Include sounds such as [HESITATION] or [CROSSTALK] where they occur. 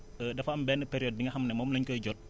[HESITATION] dafa am benn période bi nga xam ne moom la ñu koy jot